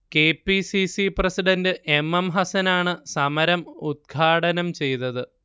K. P. C. C president M M ഹസനാണ് സമരം ഉദ്ഘാടനം ചെയ്തത്